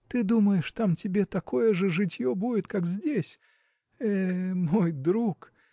– Ты думаешь, там тебе такое же житье будет, как здесь? Э, мой друг!